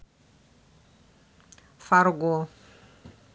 фарго